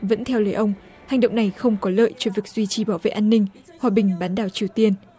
vẫn theo lời ông hành động này không có lợi cho việc duy trì bảo vệ an ninh hòa bình bán đảo triều tiên